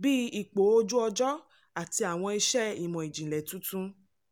bíi ipò ojú-ọjọ́ àti àwọn ìṣe ìmọ̀-ìjìnlẹ̀ tuntun.